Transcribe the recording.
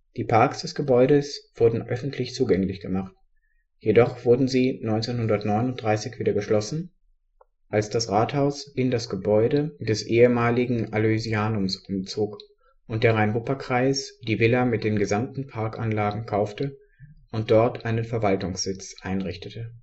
Die Parks des Gebäudes wurden öffentlich zugänglich gemacht, jedoch wurden sie 1939 wieder geschlossen, als das Rathaus in das Gebäude des ehemaligen Aloysianums umzog und der Rhein-Wupper-Kreis die Villa mit den gesamten Parkanlagen kaufte und dort einen Verwaltungssitz einrichtete